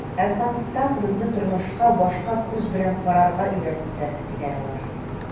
“әфганстан безне тормышка башка күз белән карарга өйрәтте”, - диләр алар.